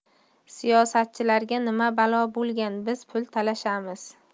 siyosatchilarga nima balo bo'lgan biz pul talashamiz